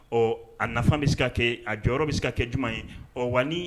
Ɔ a nafafan bɛ se ka kɛ a jɔyɔrɔ bɛ se ka kɛ jumɛn ye ɔ wa